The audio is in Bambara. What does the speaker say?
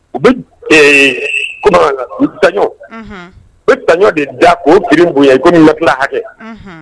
U bɛ u u taɲɔ de da o kiiri bonyayan ko tila hakɛ